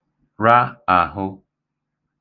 ra àhụ̄